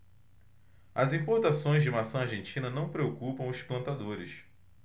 as importações de maçã argentina não preocupam os plantadores